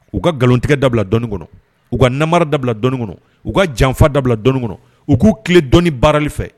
U ka nkalontigɛ dabila dɔnni kɔnɔ, u ka namara dabila dɔni kɔnɔ, u ka janfa dabila dɔnni kɔnɔ, u k'u tile dɔnni baarali fɛ